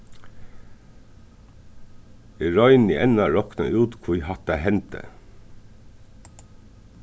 eg royni enn at rokna út hví hatta hendi